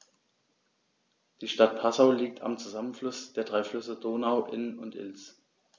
Die Stadt Passau liegt am Zusammenfluss der drei Flüsse Donau, Inn und Ilz.